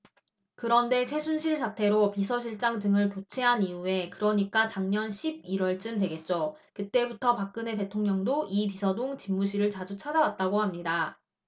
그런데 최순실 사태로 비서실장 등을 교체한 이후에 그러니까 작년 십 일 월쯤 되겠죠 그때부터 박근혜 대통령도 이 비서동 집무실을 자주 찾아왔다고 합니다